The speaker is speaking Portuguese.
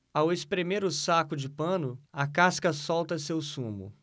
ao espremer o saco de pano a casca solta seu sumo